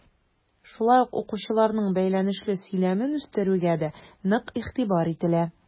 Шулай ук укучыларның бәйләнешле сөйләмен үстерүгә дә нык игътибар ителә.